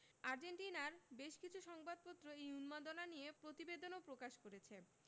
আর্জেন্টিনার বেশ কিছু সংবাদপত্র এই উন্মাদনা নিয়ে প্রতিবেদনও প্রকাশ করেছে